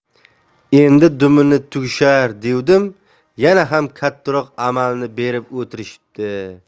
endi dumini tugishar devdim yana ham kattaroq amalni berib o'tirishibdi